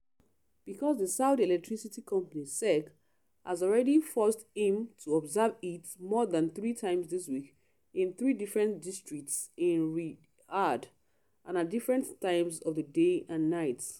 Because the Saudi Electricity Company (SEC) has already forced him to observe it more than three times this week in three different districts in Riyadh and at different times of the day and night.